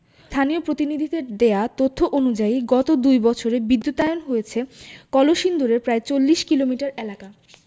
স্থানীয় জনপ্রতিনিধিদের দেওয়া তথ্য অনুযায়ী গত দুই বছরে বিদ্যুতায়ন হয়েছে কলসিন্দুরের প্রায় ৪০ কিলোমিটার এলাকা